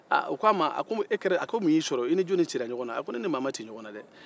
aaa o k'a ma a ko mun y'i sɔrɔ i ni jɔnni cira ɲɔgɔnna a ko ne ni maa ma ci ɲɔgɔn na dɛ